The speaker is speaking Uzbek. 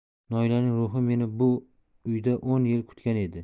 noilaning ruhi meni bu uyda o'n yil kutgan edi